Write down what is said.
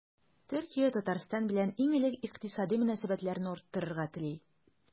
Төркия Татарстан белән иң элек икътисади мөнәсәбәтләрне арттырырга тели.